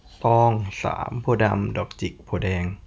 ตองสามโพธิ์ดำดอกจิกโพธิ์แดง